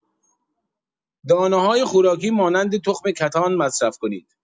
دانه‌های خوراکی مانند تخم کتان مصرف کنید.